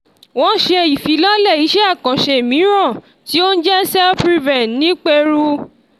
Wọ́n ṣe ìfilọ́lẹ̀ iṣẹ́ àkànṣe mìíràn tí ó ń jẹ́ Cell-PREVEN ní Peru.